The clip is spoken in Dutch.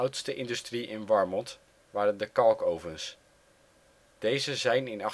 oudste industrie in Warmond waren de kalkovens. Deze zijn in